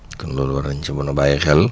kon loolu war nañu ci mun a bàyyi xel